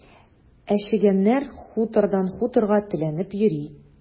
Ә чегәннәр хутордан хуторга теләнеп йөри.